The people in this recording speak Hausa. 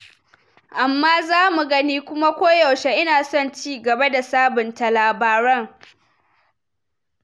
"Amma za mu gani kuma koyaushe ina son ci gaba da sabunta labaran."